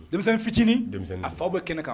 Denmisɛnnin fitinin denmisɛnnin fa bɛ kɛnɛ kan